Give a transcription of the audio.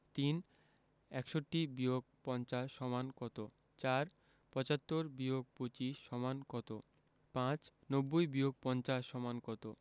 ৩ ৬১-৫০ = কত ৪ ৭৫-২৫ = কত ৫ ৯০-৫০ = কত